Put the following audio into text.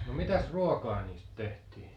no mitäs ruokaa niistä tehtiin